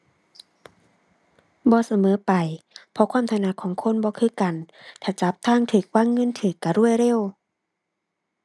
บ่เสมอไป เพราะความถนัดของคนบ่คือกัน ถ้าจับทางถูกวางเงินถูกถูกรวยเร็ว